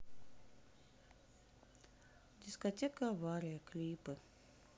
дискотека авария клипы